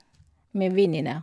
Med venninner.